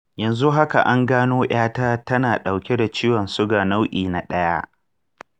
yanzu haka an gano ƴata ta na ɗauke da ciwon suga nau'i na ɗaya.